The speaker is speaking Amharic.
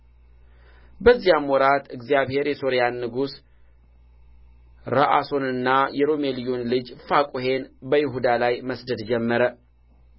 በዚያም ወራት እግዚአብሔር የሶርያን ንጉሥ ረአሶንንና የሮሜልዩን ልጅ ፋቁሔን በይሁዳ ላይ መስደድ ጀመረ